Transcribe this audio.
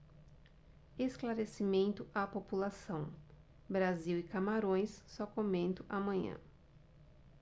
esclarecimento à população brasil e camarões só comento amanhã